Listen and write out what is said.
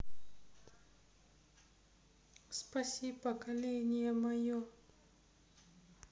спаси поколение мое